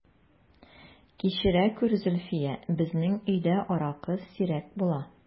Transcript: Кичерә күр, Зөлфия, безнең өйдә аракы сирәк була...